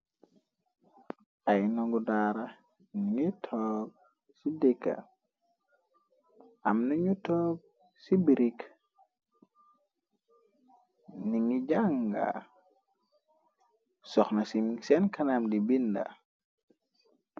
Ay nangu daara ningu toob ci déka amnanu toob ci birik ni ngi jànga soxna ci seen kanam di binda.